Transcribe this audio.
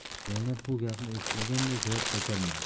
zaynab bu gapni eshitmaganday javob qaytarmadi